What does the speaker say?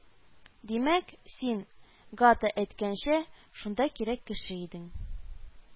Димәк, син, Гата әйткәнчә, шунда кирәк кеше идең